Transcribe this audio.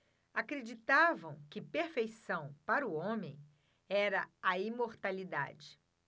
acreditavam que perfeição para o homem era a imortalidade